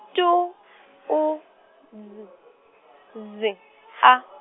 T U D Z A.